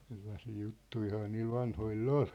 sellaisia juttujahan niillä vanhoilla oli